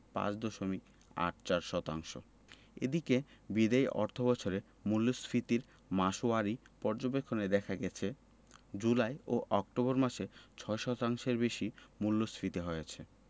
৫ দশমিক ৮৪ শতাংশ এদিকে বিদায়ী অর্থবছরের মূল্যস্ফীতির মাসওয়ারি পর্যবেক্ষণে দেখা গেছে জুলাই ও অক্টোবর মাসে ৬ শতাংশের বেশি মূল্যস্ফীতি হয়েছে